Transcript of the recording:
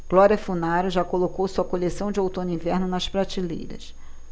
glória funaro já colocou sua coleção de outono-inverno nas prateleiras